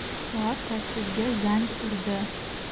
soat sakkizga zang urdi